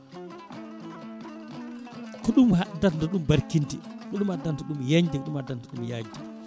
ko ɗum addanta ɗum barkinde ko ɗum addanta ɗum yeñde ko addanta ɗum yajde